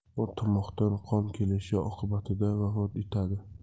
u tomoqdan qon kelishi oqibatida vafot etadi